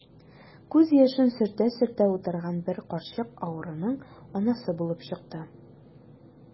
Күз яшен сөртә-сөртә утырган бер карчык авыруның анасы булып чыкты.